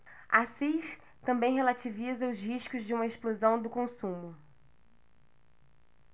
assis também relativiza os riscos de uma explosão do consumo